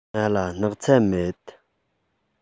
ང ལ སྣག ཚ མེད